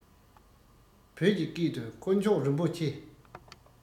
བོད ཀྱི སྐད དུ དཀོན མཆོག རིན པོ ཆེ